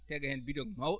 tega heen bidon mawɗo